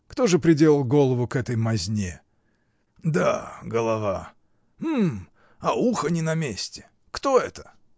Кто же приделал голову к этой мазне?. Да, голова. мм. а ухо не на месте. Кто это?